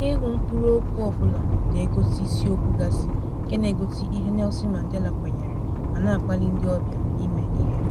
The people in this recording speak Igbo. N'ihu mkpụrụ okwu ọbụla na-egosi isi okwu gasị nke na-egosi ihe Nelson Mandela kwenyere ma na-akpali ndị ọbịa ịme ihe.